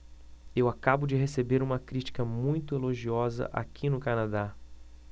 eu acabo de receber uma crítica muito elogiosa aqui no canadá